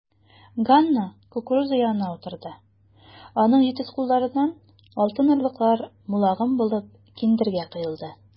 Ганна кукуруза янына утырды, аның җитез кулларыннан алтын орлыклар мул агым булып киндергә коелды.